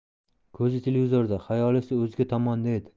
ko'zi televizorda xayoli esa o'zga tomonda edi